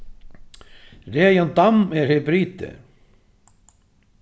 regin dam er hebridi